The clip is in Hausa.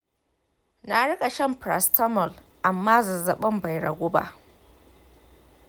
na riƙa shan paracetamol amma zazzaɓin bai ragu ba.